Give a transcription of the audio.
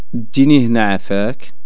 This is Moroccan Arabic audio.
ديني هنا عافاك